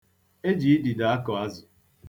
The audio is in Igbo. E ji idide akụ azụ.